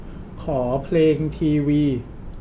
ขอเพลงทีวี